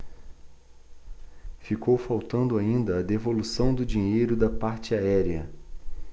ficou faltando ainda a devolução do dinheiro da parte aérea